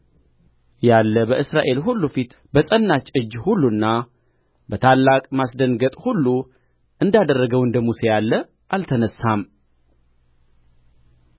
ያለ በእስራኤል ሁሉ ፊት በጸናች እጅ ሁሉና በታላቅ ማስደንገጥ ሁሉ እንዳደረገው እንደ ሙሴ ያለ አልተነሣም